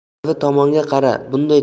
anavi tomonga qara bunday